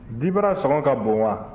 dibara sɔngɔ ka bon wa